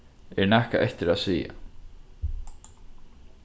er nakað eftir at siga